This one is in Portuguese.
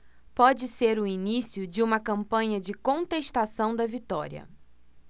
pode ser o início de uma campanha de contestação da vitória